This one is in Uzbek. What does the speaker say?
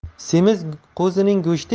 semiz qo'zining go'shti